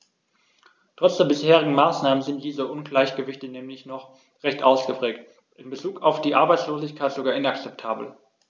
Trotz der bisherigen Maßnahmen sind diese Ungleichgewichte nämlich noch recht ausgeprägt, in bezug auf die Arbeitslosigkeit sogar inakzeptabel.